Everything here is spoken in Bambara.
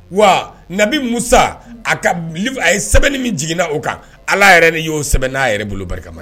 Wa nabi musa a a ye sɛbɛnni min jiginna o kan ala yɛrɛ ni y'o sɛbɛn n'a yɛrɛ bolo barika kama